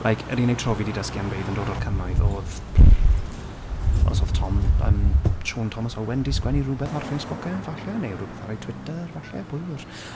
Like yr unig tro fi 'di dysgu am beirdd yn dod o'r cymoedd oedd os oedd Tom... yym Sion Thomas Owen 'di sgwennu rwbeth ar Facebook e, falle, neu rywbeth ar ei Twitter, falle, pwy a wyr.